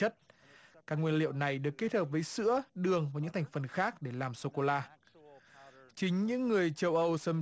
chất các nguyên liệu này được kết hợp với sữa đường và những thành phần khác để làm socola chính những người châu âu xâm